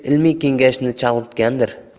deb ilmiy kengashni chalg'itgandir